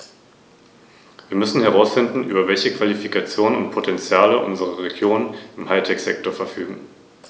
Die Abstimmung findet morgen um 12.00 Uhr statt.